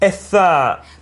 itha...